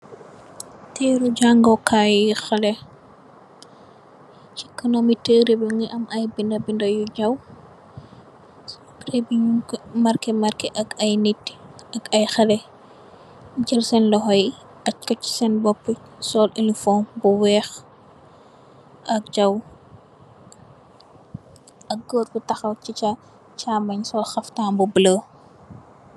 Tehru jaangor kaii yu haleh, chi kanami tehreh bii mungy am aiiy binda binda yu jaw, tehreh bii njung kor markeh markeh ak aiiy nitt, ak aiiy haleh, jel sen lokhor yii ahjj kor chi sen bopu, sol uniform bu wekh ak jaw, ak gorre bu takhaw chi cha chaamongh sol khaftan bu bleu.